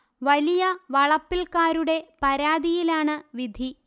വലിയ വളപ്പില്ക്കാരുടെ പരാതിയിലാണ് വിധി